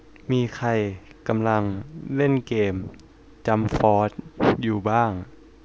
มีใครกำลังเล่นเกมจั้มฟอสอยู่บ้าง